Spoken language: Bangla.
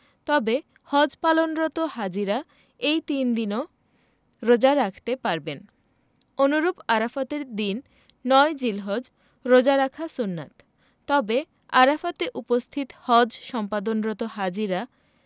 তবে হজ পালনরত হাজিরা এই তিন দিনও রোজা রাখতে পারবেন অনুরূপ আরাফাতের দিন ৯ জিলহজ রোজা রাখা সুন্নাত তবে আরাফাতে উপস্থিত হজ সম্পাদনরত হাজিরা